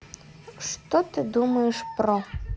что ты думаешь про